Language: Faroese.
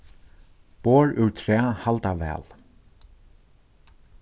borð úr træ halda væl